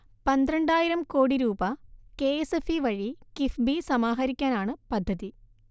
പന്ത്രണ്ടായിരം കോടിരൂപ K SF E വഴി കിഫ്ബി സമാഹരിക്കാനാണ് പദ്ധതി